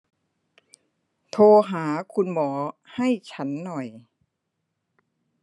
โทรหาคุณหมอให้ฉันหน่อย